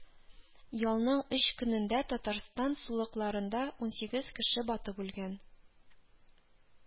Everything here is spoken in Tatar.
Ялның өч көнендә Татарстан сулыкларында унсигез кеше батып үлгән